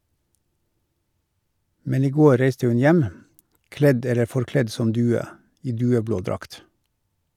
Men i går reiste hun hjem , kledd eller forkledd som due - i dueblå drakt.